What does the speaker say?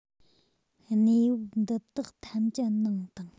གནས བབ འདི དག ཐམས ཅད ནང དང